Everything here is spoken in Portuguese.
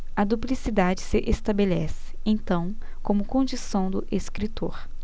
a duplicidade se estabelece então como condição do escritor